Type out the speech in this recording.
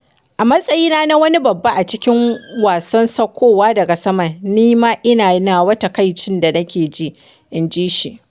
“A matsayina na wani babba a cikin wasan saukowa daga saman, ni ma ina nawa taƙaicin da nake ji,” inji shi.